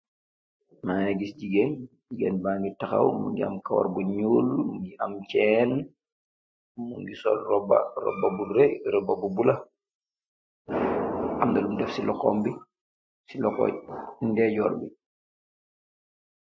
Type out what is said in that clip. Mageh giss jigeen jigeen bagi taxaw mugi aam karaw bu nuul mogi amm chain mogi sool roba roba bu raay roba bu bulo amm na lom deff ci loxom si loxo ndeyejor bi.